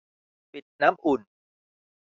ปิดน้ำอุ่น